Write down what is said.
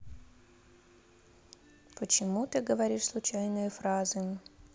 почему ты говоришь случайные фразы